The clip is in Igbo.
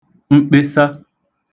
mkpesa